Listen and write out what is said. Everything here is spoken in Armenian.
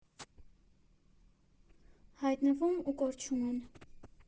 Հայտնվում ու կորչում են։